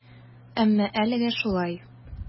Әмма әлегә шулай.